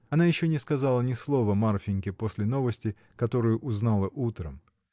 Она еще не сказала ни слова Марфиньке после новости, которую узнала утром.